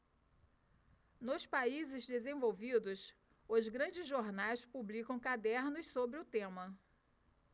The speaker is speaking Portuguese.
nos países desenvolvidos os grandes jornais publicam cadernos sobre o tema